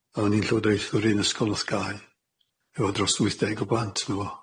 Oddwn i'n llywodaethwr un ysgol nath gau, efo dros wyth deg o blant yn y fo.